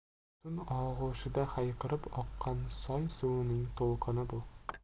tun og'ushida hayqirib oqqan soy suvining to'lqini bu